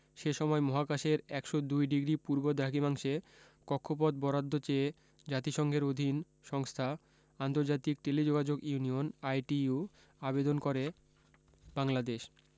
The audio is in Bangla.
সে সময় মহাকাশের ১০২ ডিগ্রি পূর্ব দ্রাঘিমাংশে কক্ষপথ বরাদ্দ চেয়ে জাতিসংঘের অধীন সংস্থা আন্তর্জাতিক টেলিযোগাযোগ ইউনিয়নে আইটিইউ আবেদন করে বাংলাদেশ